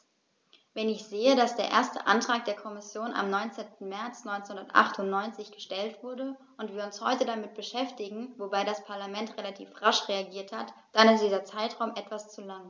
Wenn ich sehe, dass der erste Antrag der Kommission am 19. März 1998 gestellt wurde und wir uns heute damit beschäftigen - wobei das Parlament relativ rasch reagiert hat -, dann ist dieser Zeitraum etwas zu lang.